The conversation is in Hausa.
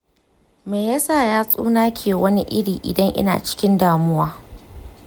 me yasa yatsuna ke wani iri idan ina cikin damuwa?